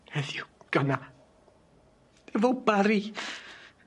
Heddiw, gynna'. Efo Bari.